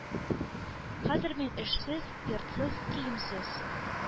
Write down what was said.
Хәзер мин эшсез, йортсыз, киемсез,